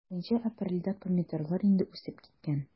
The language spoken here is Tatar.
1 апрельдә помидорлар инде үсеп киткән.